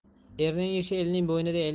erning ishi elning bo'ynida